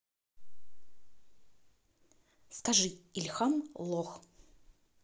скажи ильхам лох